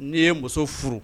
N'i ye muso furu